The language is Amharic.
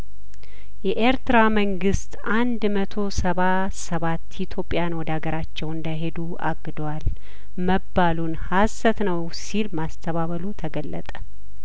የኤርትራ መንግስት አንድ መቶ ሰባ ሰባት ኢትዮጵያን ወደ አገራቸው እንዳይሄዱ አግዷል መባሉን ሀሰት ነው ሲል ማስተባበሉ ተገለጠ